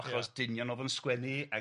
achos dynion oedd yn sgwennu